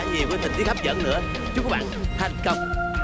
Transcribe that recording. nhiều tình tiết hấp dẫn nữa chúc bạn thành công